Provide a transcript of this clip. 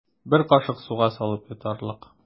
Бер кашык суга салып йотарлык.